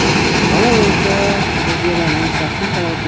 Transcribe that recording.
qolaversa o'zgalarning shaxsiy hayoti